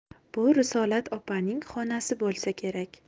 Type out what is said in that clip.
bu risolat opaning xonasi bo'lsa kerak